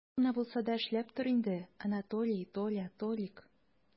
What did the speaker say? Аз гына булса да эшләп тор инде, Анатолий, Толя, Толик!